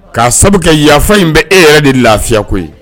K'a sababu kɛ yafa in bɛ e yɛrɛ de lafiya koyi ye